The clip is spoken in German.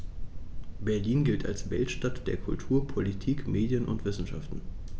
Berlin gilt als Weltstadt der Kultur, Politik, Medien und Wissenschaften.